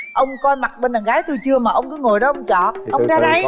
ông coi mặt bên đằng gái tui chưa mà ông cứ ngồi đó ông chọc ông ra đây